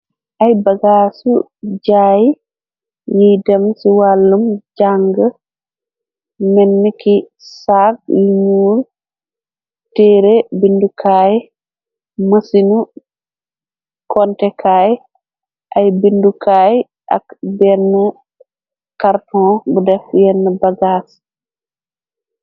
Ay bagaasu jaay yiy dem ci wàllum jàng menn ki saag lu nuur teere bindukaay mësinu kontekaay ay bindukaay ak benn carton bu def yenn bagaas.